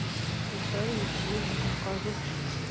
езда на машине по кавказу